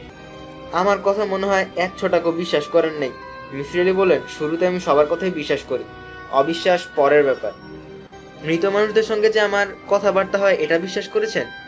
আমার কথা মনে হয়এক ছটাকও বিশ্বাস করেন নাই মিসির আলি বললেন শুরুতে আমি সবার কথায় বিশ্বাস করি অবিশ্বাস পরের ব্যাপার মৃত মানুষ দের সঙ্গে আমার কতা বারতা হয় এটা বিশ্বাস করেছেন